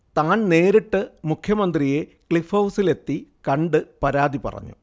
താൻ നേരിട്ട് മുഖ്യമന്ത്രിയെ ക്ളിഫ്ഹൗസിലെത്തി കണ്ട് പരാതി പറഞ്ഞു